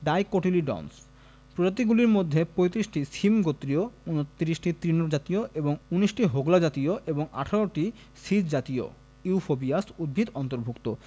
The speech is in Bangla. ডাইকটিলিডন্স প্রজাতিগুলির মধ্যে ৩৫টি শিমগোত্রীয় ২৯টি তৃণজাতীয় ১৯টি হোগলাজাতীয় এবং ১৮টি সিজজাতীয় ইউফোবিয়াস উদ্ভিদ অন্তর্ভুক্ত